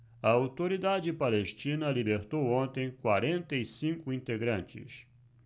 a autoridade palestina libertou ontem quarenta e cinco integrantes